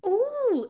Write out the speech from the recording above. Ww!